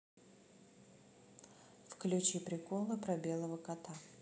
включи приколы про белого кота